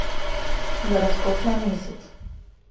гороскоп на месяц